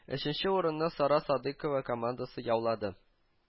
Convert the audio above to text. Өченче урынны «сара садыкова» командасы яулады